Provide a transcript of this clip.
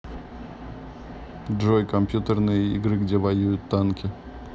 джой компьютерные игры где воюют танки